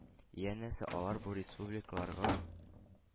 Янәсе, алар бу республикаларга